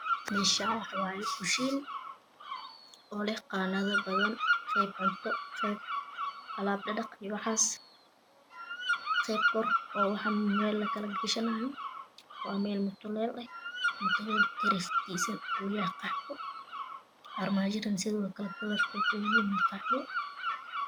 Meeshan waxa waye kushiin oleh qanadobadan qeeb cunto qeeb Alab dha dhaq iyo waxas qebkor wax lagashanayo waa melmutaleel ah mutaleelka kalarkiisa guryaha qaxwo Armajadana sidokalekalarkodana sy yihiin qaxwo